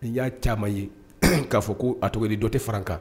N y'a caman ye k'a fɔ ko a toli dɔ tɛ fararan kan